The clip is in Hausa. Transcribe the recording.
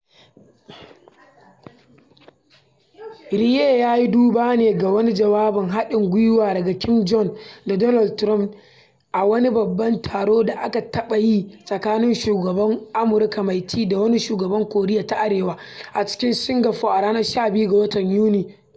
Ri ya yi duba ne ga wani jawabin haɗin gwiwa daga Kim Jong Un da Donald Trump a wani babban taro da aka taɓa yi tsakanin shugaban Amurka mai ci da wani shugaban Koriya ta Arewa a cikin Singapore a ranar 12 ga Yuni, a lokacin da Kim ya yi alƙawarin yin aiki zuwa ga "rage makaman nukiliya a zirin Koriya" a lokacin da Trump ya yi alƙawarin ba da garanti na tsaron Koriya ta Arewa din.